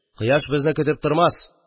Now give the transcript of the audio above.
Кояш безне көтеп тормас...